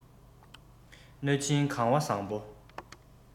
གནོད སྦྱིན གང བ བཟང པོ